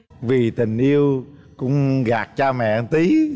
vì tình yêu cũng gạt cha mẹ một tí